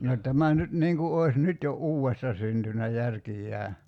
no tämä nyt niin kuin olisi nyt jo uudesta syntynyt järkiään